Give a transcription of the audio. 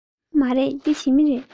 མ རེད འདི ཞི མི རེད